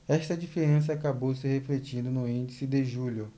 esta diferença acabou se refletindo no índice de julho